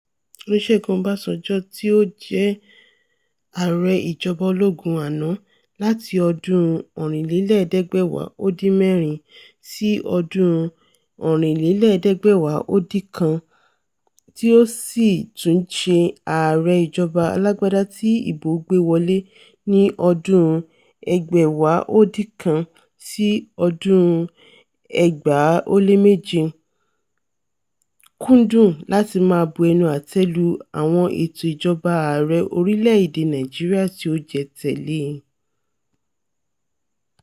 Olúṣẹ́gun Ọbásanjọ́, tí ó jẹ́ Ààrẹ ìjọba ológun àná (láti ọdún 1976 sí 1979), tí ó sì tún ṣe Ààrẹ ìjọba alágbádá tí ìbò gbé wọlé (ní ọdún 1999 sí 2007), kúndùn láti máa bu ẹnu àtẹ́ lu àwọn ètò ìjọba Ààrẹ orílẹ̀-èdè Nàìjíríà tí ó jẹ tẹ̀lé e.